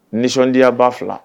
Nisɔndiyaya ba fila